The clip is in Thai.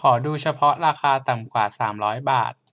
ขอดูเฉพาะราคาต่ำกว่าสามร้อยบาท